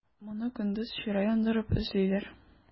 Моны көндез чыра яндырып эзлиләр.